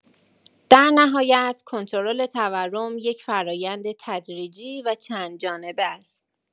در نهایت، کنترل تورم یک فرآیند تدریجی و چندجانبه است.